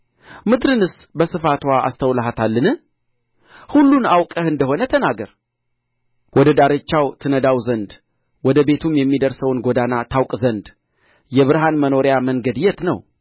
ምድርንስ በስፋትዋ አስተውለሃታልን ሁሉን አውቀህ እንደ ሆነ ተናገር ወደ ዳርቻው ትነዳው ዘንድ ወደ ቤቱም የሚያደርሰውን ጐዳና ታውቅ ዘንድ የብርሃን መኖሪያ መንገድ የት ነው